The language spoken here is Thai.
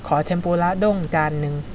ขอเทมปุระด้งจานหนึ่ง